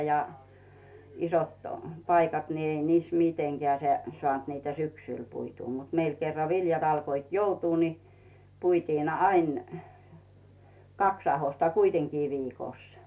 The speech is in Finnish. ja isot paikat niin ei niissä mitenkään se saanut niitä syksyllä puitua mutta meillä kerran viljat alkoivat joutua niin puitiin aina kaksi ahdosta kuitenkin viikossa